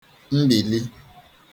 mbili